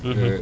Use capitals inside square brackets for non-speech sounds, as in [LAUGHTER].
[HESITATION] [HESITATION] [HESITATION]